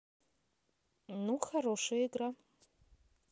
ну хорошая игра